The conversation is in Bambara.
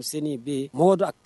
Denmisɛnninmisɛnnin bɛ yen don